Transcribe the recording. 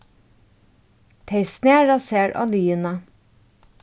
tey snara sær á liðina